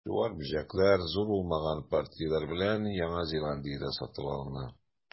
Чуар бөҗәкләр, зур булмаган партияләр белән, Яңа Зеландиядә сатып алына.